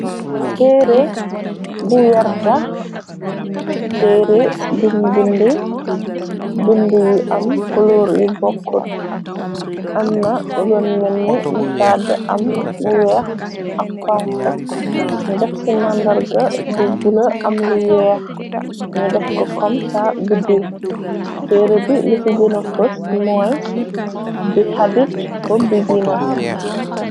Teere bu wertax teere bun binde bindi yi am koloor yu bokku am na ron menni mu tadd am lu weex ak xonko ni def ci màndarga bu bula am lu weex ni def ko kom sa biddi tere bi li ci gëna fos mooy di xadit fo di dines.